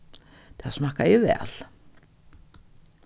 tað smakkaði væl